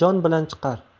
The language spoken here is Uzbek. jon bilan chiqar